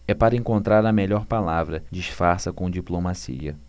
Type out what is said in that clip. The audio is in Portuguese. é para encontrar a melhor palavra disfarça com diplomacia